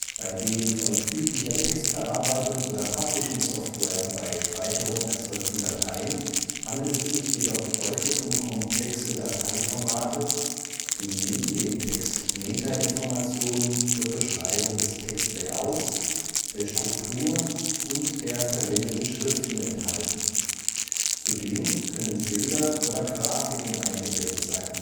Bei den von üblicher Textverarbeitungs - oder Publishingsoftware bei Speicherung erzeugten Dateien handelt es sich jedoch häufig um komplexe Dateiformate, die neben dem Text Metainformation zur Beschreibung des Textlayouts, der Struktur und der verwendeten Schriften enthalten; zudem können Bilder oder Grafiken eingebettet sein